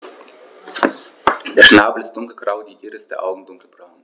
Der Schnabel ist dunkelgrau, die Iris der Augen dunkelbraun.